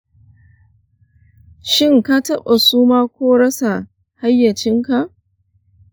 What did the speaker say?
shin ka taɓa suma ko rasa hayyacinka?